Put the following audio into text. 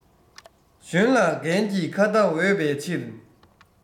གཞོན ལ རྒན གྱིས ཁ བརྡ འོས པའི ཕྱིར